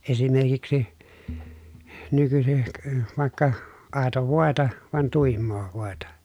esimerkiksi nykyisin vaikka aitoa voita vaan tuimaa voita